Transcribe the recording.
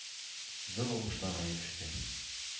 Зур уңышларга иреште.